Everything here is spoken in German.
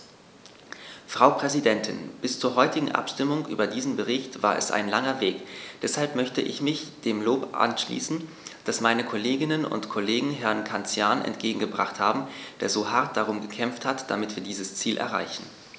Frau Präsidentin, bis zur heutigen Abstimmung über diesen Bericht war es ein langer Weg, deshalb möchte ich mich dem Lob anschließen, das meine Kolleginnen und Kollegen Herrn Cancian entgegengebracht haben, der so hart darum gekämpft hat, damit wir dieses Ziel erreichen.